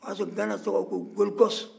o y'a sɔrɔ gana tɔgɔ ko gold cost